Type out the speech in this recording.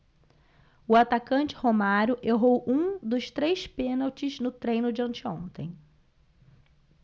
o atacante romário errou um dos três pênaltis no treino de anteontem